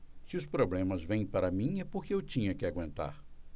se os problemas vêm para mim é porque eu tinha que aguentar